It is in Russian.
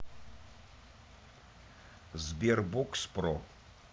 sberbox про